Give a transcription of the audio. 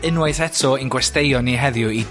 unwaith eto i'n gwesteion ni heddiw, i...